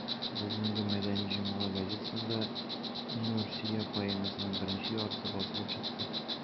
Бүгенге «Мәдәни җомга» газетасында «Нурсөя» поэмасының беренче яртысы басылып чыкты.